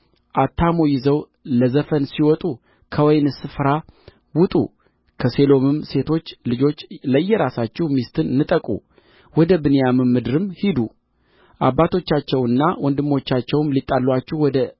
አታሞ ይዘው ለዘፈን ሲወጡ ከወይኑ ስፍራ ውጡ ከሴሎም ሴቶች ልጆች ለየራሳችሁ ሚስት ንጠቁ ወደ ብንያም ምድርም ሂዱ አባቶቻቸውና ወንድሞቻቸውም ሊጣሉአችሁ ወደ